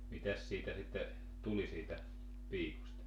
mitäs siitä sitten tuli siitä piikosta